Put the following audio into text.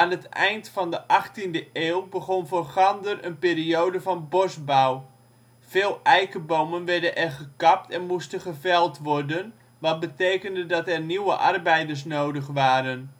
het eind van de achttiende eeuw begon voor Gander een periode van bosbouw. Veel eikebomen werden er gekapt en moesten geveld worden, wat betekende dat er nieuwe arbeiders nodig waren